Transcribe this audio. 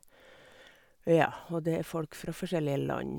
Ja, og det er folk fra forskjellige land.